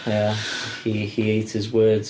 Ia he- he ate his words.